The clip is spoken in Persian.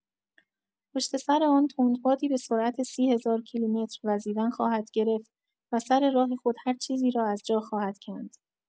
پشت‌سر آن، تندبادی به‌سرعت سی هزار کیلومتر وزیدن خواهد گرفت و سر راه خود هر چیزی را از جا خواهد کند.